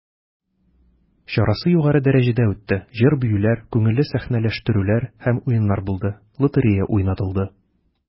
Чарасы югары дәрәҗәдә үтте, җыр-биюләр, күңелле сәхнәләштерүләр һәм уеннар булды, лотерея уйнатылды.